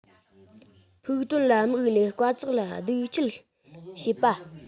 ཕུགས དོན ལ དམིགས ནས དཀའ ཚེགས ལ སྡུག འཁྱག བྱེད པ